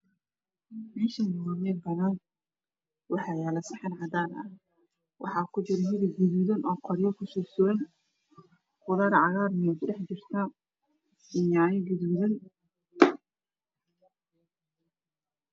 Meeshan waa meel banan waxaa yaalo saxan cadaan ah waxaa kujiro hilib guduudan oo qoryo dushiisa suran qudaar cagaar ahna way ku dhex jirtaa iyo yaanyo gaduudan